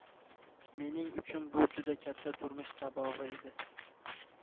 mening uchun bu juda katta turmush sabog'i edi